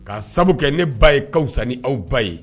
K' sababu kɛ ne ba ye ka fusa ni aw ba ye.